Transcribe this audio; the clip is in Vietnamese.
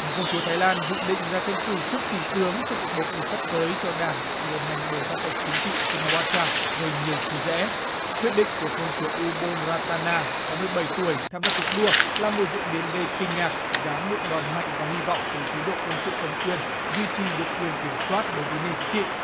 một công chúa thái lan dự định ra tranh cử chức thủ tướng trong cuộc bầu cử sắp tới cho đảng được điều hành bởi gia tộc chính trị si na oa tra gây nhiều chia rẽ quyết định của công chúa u bôn ra ta na sáu mươi bảy tuổi tham gia cuộc đua là một diễn biến gây kinh ngạc giáng một đòn mạnh vào hy vọng của chế độ quân sự cầm quyền duy trì được quyền kiểm soát đối với nền chính trị